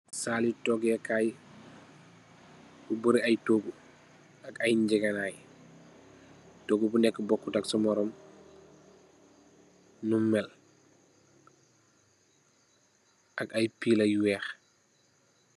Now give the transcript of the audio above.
Saali toogèkaay bu bari ay toogu ak ay ngegenaay. Toogu bu nekk bokut tak sa morum mum mèl ak ay pilla yu weeh.